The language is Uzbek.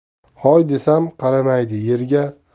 hoy desam qaramaydi